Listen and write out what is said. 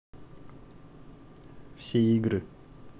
все игры